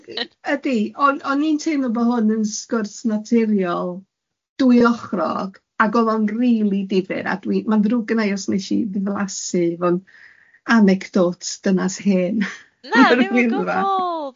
Am wn i, ydio'n i'n teimlo bo hwn yn sgwrs naturiol dwy ochrog ag o'dd o'n rili difyr a dwi ma'n ddrwg gynna i os 'nes i ddiflasu efo'n anecdots dynas hen... Na ddim o gwbwl!... am yr Wyddfa!